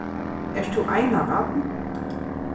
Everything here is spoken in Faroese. ert tú einabarn